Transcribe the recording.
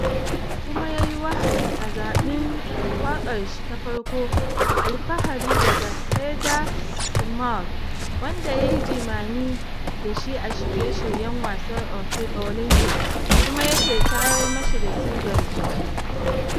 Kuma yayi wahayi a zabin wakar shi ta farko - Alfahari daga Heather Small - wanda yayi jimame da shi a shirye shiryen wasar Olympics kuma ya ke tayar mashi da sigar jiki.